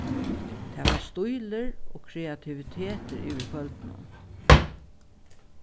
tað var stílur og kreativitetur yvir kvøldinum